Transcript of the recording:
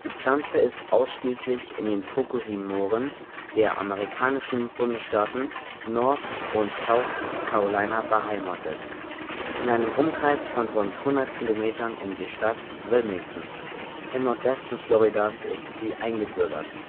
Pflanze ist ausschließlich in den Pocosin-Mooren der amerikanischen Bundesstaaten North und South Carolina beheimatet, in einem Umkreis von rund 100 Kilometern um die Stadt Wilmington. Im Nordwesten Floridas ist sie eingebürgert